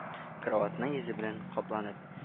Караватына йөзе белән капланып